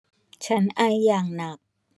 ฉันไออย่างหนัก